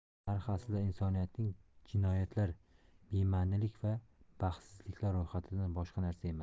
tarix aslida insoniyatning jinoyatlar bema'nilik va baxtsizliklar ro'yxatidan boshqa narsa emas